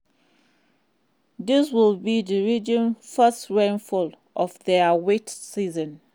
This would be the region's first rainfall of their wet season.